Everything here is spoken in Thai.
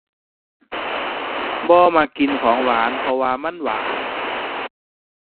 บ่มักกินของหวาน เพราะว่ามันหวาน